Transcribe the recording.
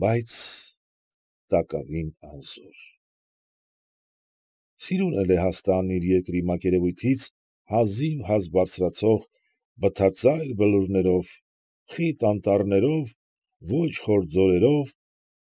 Բայց… տակավին անզոր… Սիրուն է Լեհաստանն իր երկրի մակերևույթից հազիվհազ բարձրացող բթածայր բլուրներով, խիտ անտառներով, ոչ խոր ձորերով,